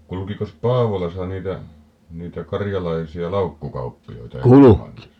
kulkikos Paavolassa niitä niitä karjalaisia laukkukauppiaita ennen maailmassa